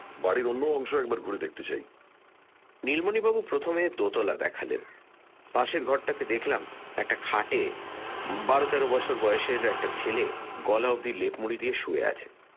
অন্য অংশও এবার ঘুরে দেখতে চাই নীলমণিবাবু প্রথমে দোতলা দেখালেন পাশের ঘরটাতে দেখলাম একটা খাটে বারো তেরো বছর বয়সের একটা ছেলে গলা অবধি লেপ মুড়ি দিয়ে শুয়ে আছে